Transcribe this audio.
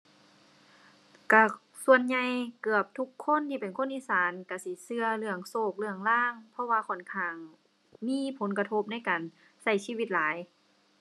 ก็ส่วนใหญ่เกือบทุกคนที่เป็นคนอีสาน ก็สิก็เรื่องโชค เรื่องลาง เพราะว่าค่อนข้างมีผลกระทบในการก็ชีวิตหลาย